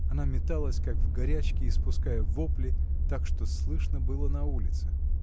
Она металась, как в горячке, испуская вопли, так что слышно было на улице.